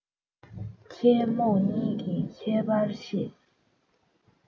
མཁས རྨོངས གཉིས ཀྱི ཁྱད པར ཤེས